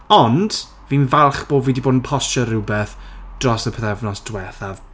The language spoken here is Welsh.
Ond fi'n falch bod fi 'di bod yn postio rhywbeth dros y pythefnos diwethaf